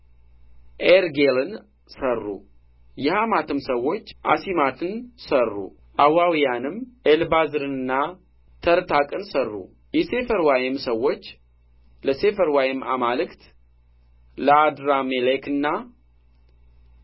ኤርጌልን ሠሩ የሐማትም ሰዎች አሲማትን ሠሩ አዋውያንም ኤልባዝርንና ተርታቅን ሠሩ የሴፈርዋይም ሰዎችም ለሴፈርዋይም አማልክት ለአድራሜሌክና